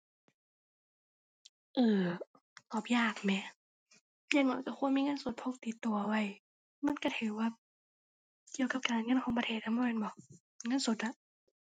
เออ ตอบยากแหม อย่างน้อยก็ควรมีเงินสดพกติดก็เอาไว้ มันก็ถือว่าเกี่ยวกับการเงินของประเทศนำบ่แม่นบ่ เงินสดอะ